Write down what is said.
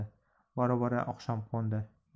bora bora oqshom qo'ndi